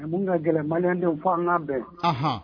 Mɛ mun ka gɛlɛ malidenw fɔ an ka bɛn